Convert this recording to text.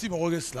Si kɛ la